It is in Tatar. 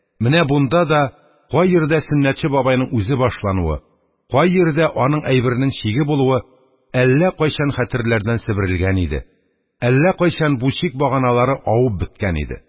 Менә бунда да кай йирдә Сөннәтче бабайның үзе башлануы, кай йирдә аның әйберенең чиге булуы әллә кайчан хәтерләрдән себерелгән иде; әллә кайчан бу чик баганалары авып беткән иде.